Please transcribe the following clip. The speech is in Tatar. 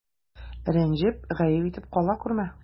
Рәнҗеп, гаеп итеп кала күрмә.